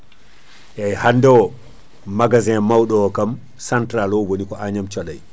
eyyi hande o magasin mawɗo o kam central o woni ko Agnam Thioday